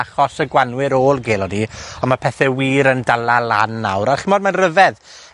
achos y gwanwyr o'l gelon ni, on' ma' pethe wir yn dala lan nawr a ch'mod ma'n ryfedd